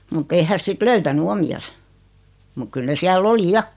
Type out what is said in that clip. mutta ei hän sitten löytänyt omiansa mutta kyllä ne siellä oli ja